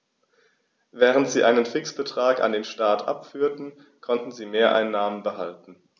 Während sie einen Fixbetrag an den Staat abführten, konnten sie Mehreinnahmen behalten.